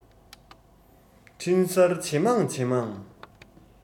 འཕྲིན གསར ཇེ མང ཇེ མང